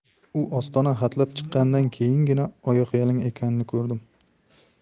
u ostona hatlab chiqqanidan keyingina oyoq yalang ekanini ko'rdim